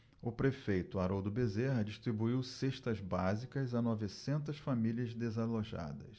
o prefeito haroldo bezerra distribuiu cestas básicas a novecentas famílias desalojadas